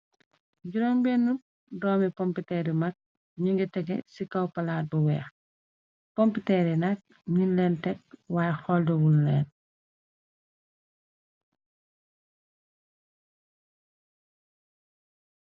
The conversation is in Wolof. Juróom bena doomi pompiteer yu maag ñogi tege ci kaw palaat bu weex pomputeer yi nak ñung leen tekk waaye xoli wun leen.